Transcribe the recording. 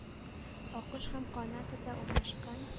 Акыш һәм канадада урнашкан,